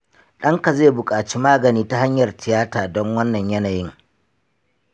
ɗanka zai buƙaci magani ta hanyar tiyata don wannan yanayin.